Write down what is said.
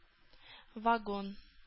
Вагон